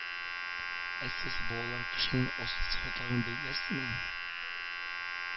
Ә сез, балалар, кешенең асыл сыйфатларын беләсезме